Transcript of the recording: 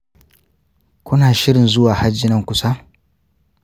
kuna shirin zuwa hajji nan kusa?